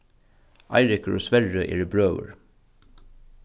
eirikur og sverri eru brøður